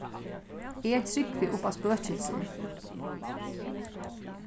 eg trúgvi upp á spøkilsir